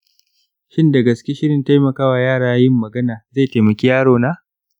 shin da gaske shirin taimaka wa yara yin magana zai taimaki yarona?